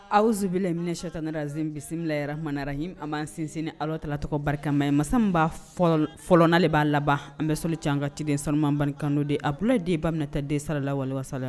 Awzbila mini sita neze bisimilala yɛrɛ tumarahi a ma sinsin ala tala tɔgɔ barikama masaba fɔlɔna de b'a laban an bɛ soli caman an ka tigi sanumabankan de abula de ba minɛta den sala walisa la